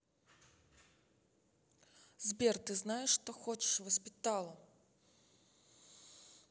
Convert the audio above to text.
сбер ты знаешь что хочешь воспитала